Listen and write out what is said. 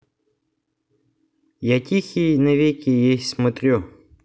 я тихий навеки есть смотрю